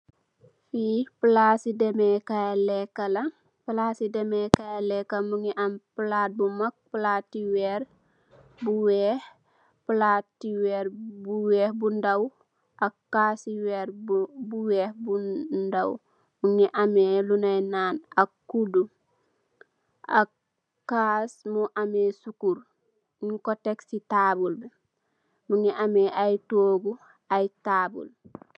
Plat bu weh bu ndaw nyun ko tek si table.